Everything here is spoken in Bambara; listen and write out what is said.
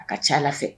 A ka ca Ala fɛ